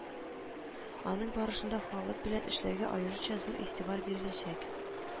Аның барышында халык белән эшләүгә аеруча зур игътибар биреләчәк